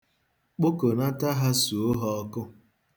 Kpokọnata ha suo ha ọkụ.